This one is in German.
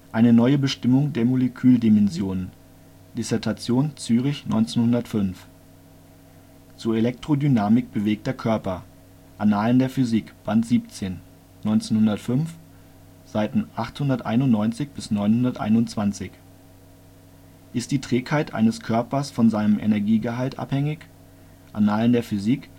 Eine neue Bestimmung der Moleküldimensionen Dissertation Zürich 1905 Zur Elektrodynamik bewegter Körper, Annalen der Physik, Bd. 17, 1905, S. 891-921. (Faksimile-Wiedergabe, kommentierte Wiedergabe). Ist die Trägheit eines Körpers von seinem Energieinhalt abhängig?, Annalen der Physik